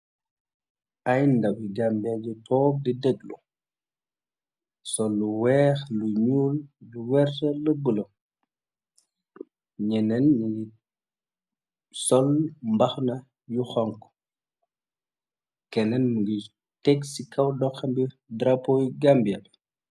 Ay ndawi Gambiya yu toog di deglu, sol lu weex, lu nyuul, lu werta, lu bula, nyennen nyingi sol mbaxana yu xonxu, kennen mingi teg si kaw doxam gi darapohi Gambiya.